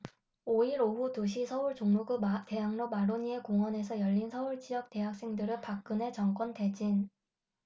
오 일 오후 두 시 서울 종로구 대학로 마로니에 공원에서 열린 서울지역 대학생들의 박근혜 정권 퇴진